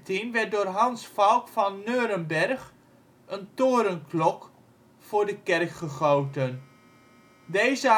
In 1617 werd door Hans Falck van Neurenberg een torenklok voor de kerk gegoten. Deze